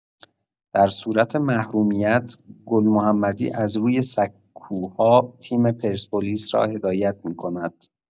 در صورت محرومیت، گل‌محمدی از روی سکوها تیم پرسپولیس را هدایت می‌کند.